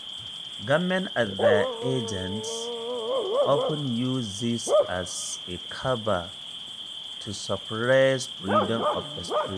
Governments and their agents often use this as a cover to suppress freedom of expression.